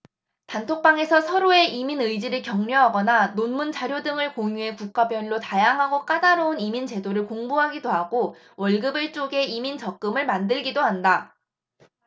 단톡방에서 서로의 이민 의지를 격려하거나 논문 자료 등을 공유해 국가별로 다양하고 까다로운 이민 제도를 공부하기도 하고 월급을 쪼개 이민 적금을 만들기도 한다